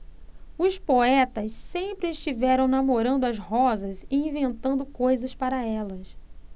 os poetas sempre estiveram namorando as rosas e inventando coisas para elas